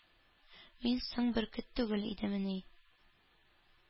Мин соң бөркет түгел идеммени,